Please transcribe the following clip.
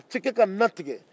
a tɛ kɛ ka na tigɛ